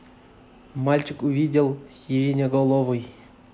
мальчик увидел сиреноголовый